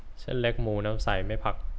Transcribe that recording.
เส้นเล็กหมูน้ำใสไม่ผัก